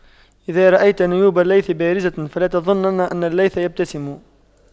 إذا رأيت نيوب الليث بارزة فلا تظنن أن الليث يبتسم